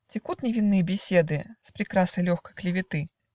Текут невинные беседы С прикрасой легкой клеветы.